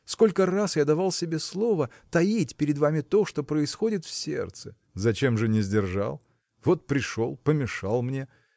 Сколько раз я давал себе слово таить перед вами то что происходит в сердце. – Зачем же не сдержал? Вот пришел – помешал мне.